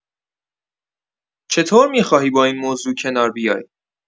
چطور می‌خواهی با این موضوع کنار بیای؟